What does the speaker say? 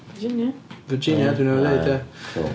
Virginia... Virginia dwi newydd ddeud ia...